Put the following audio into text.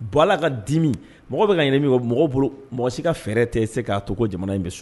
Bɔ ala la ka dimi mɔgɔ bɛ ka ɲini min o mɔgɔ bolo mɔgɔ si ka fɛɛrɛ tɛ se k'a to jamana in bɛ so